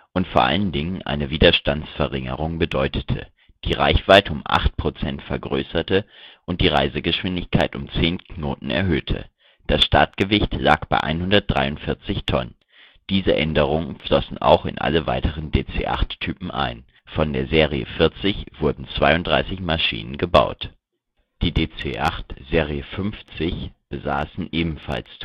und vor allen Dingen eine Widerstandsverringerung bedeutete, die Reichweite um acht Prozent vergrößerte und die Reisegeschwindigkeit um 10 Knoten erhöhte. Das Startgewicht lag bei 143 Tonnen. Diese Änderungen flossen auch in alle weiteren DC-8-Typen ein. Von der Serie 40 wurden 32 Maschinen gebaut. Die DC-8 Serie 50 besaßen ebenfalls Turbofantriebwerke